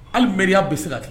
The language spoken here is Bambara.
Hali mi nbariya bɛ se ka ten